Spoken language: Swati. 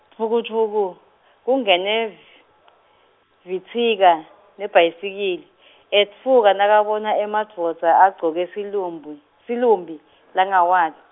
dvukudvuku, kungene v- Vitsika nebhayisikili, etfuka nakabona emadvodza agcoke silumbu-, silumbi langawa.